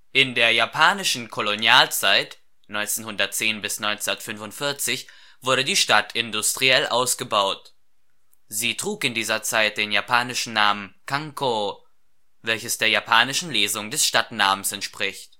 In der japanischen Kolonialzeit (1910 – 1945) wurde die Stadt industriell ausgebaut. Sie trug in dieser Zeit den japanischen Namen Kankō, welches der japanischen Lesung des Stadtnamens 咸興市 entspricht